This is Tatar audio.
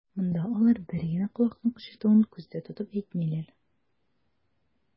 Монда алар бер генә колакның кычытуын күздә тотып әйтмиләр.